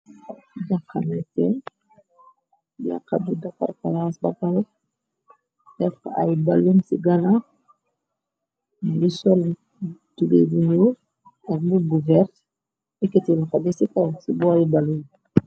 Janxa nefeen janxa bu defar palas ba bare defax ay balum ci ganaw mungi sol tubay bu nuul ak mbubu bu vert yeketi loxo bi si kaw si bori balum bi.